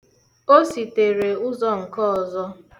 O sitere ụzọ nke ọzọ.